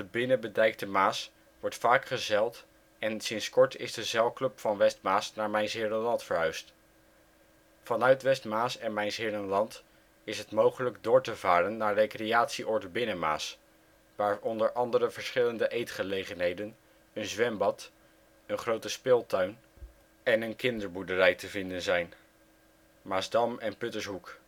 Binnenbedijkte Maas wordt vaak gezeild en sinds kort is de zeilclub van Westmaas naar Mijnsheerenland verhuisd. Vanuit Westmaas en Mijnsheerenland is het mogelijk door te varen naar Recreatieoord Binnenmaas (waar o.a. verschillende eetgelegenheden; een zwembad; een grote speeltuin; de kinderboerderij te vinden zijn) Maasdam en Puttershoek